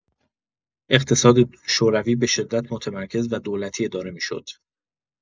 اقتصاد شوروی به‌شدت متمرکز و دولتی اداره می‌شد.